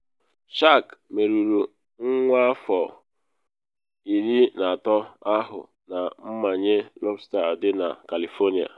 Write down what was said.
Shark merụrụ nwa afọ 13 ahụ na mmanye lọbsta dị na California